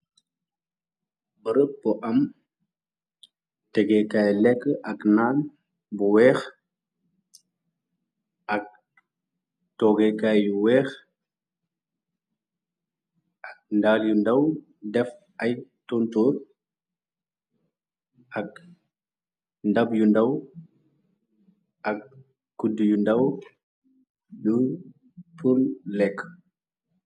Bereb bu am teggeekaay lekk ak naal bu weex, ak toggeekaay yu weex, ak ndaal yu ndaw def ay tontoor, ak ndab yu ndaw ak kudd yu ndaw yu pur lekk.